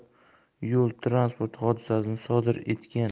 transport hodisasini sodir etgan